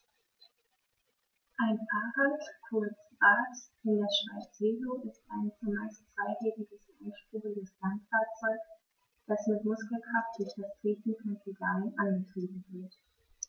Ein Fahrrad, kurz Rad, in der Schweiz Velo, ist ein zumeist zweirädriges einspuriges Landfahrzeug, das mit Muskelkraft durch das Treten von Pedalen angetrieben wird.